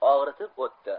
og'ritib o'tdi